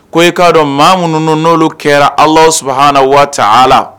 Ko i k'a dɔ maa munnu n'u n'olu kɛra Alahu subahana wataala